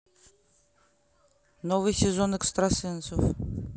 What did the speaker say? новый сезон экстрасенсов